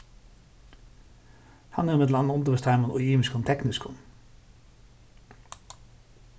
hann hevur millum annað undirvíst teimum í ymiskum tekniskum